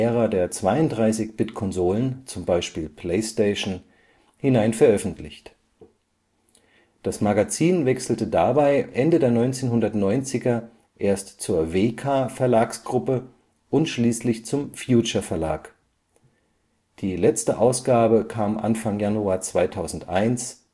Ära der 32-Bit-Konsolen (PlayStation, etc.) hinein veröffentlicht. Das Magazin wechselte dabei Ende der 1990er erst zur WEKA-Verlagsgruppe und schließlich zum Future-Verlag. Die letzte Ausgabe kam Anfang Januar 2001